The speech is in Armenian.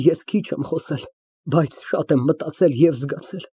Ես քիչ եմ խոսել, բայց շատ եմ մտածել և զգացել։